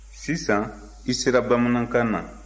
sisan i sera bamanankan na